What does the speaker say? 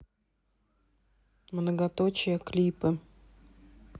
многоточие клипы